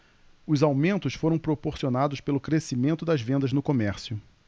os aumentos foram proporcionados pelo crescimento das vendas no comércio